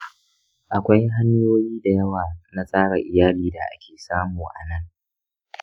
akwai hanyoyi da yawa na tsara iyali da ake samu a nan.